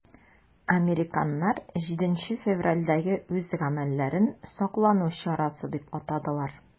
Американнар 7 февральдәге үз гамәлләрен саклану чарасы дип атадылар.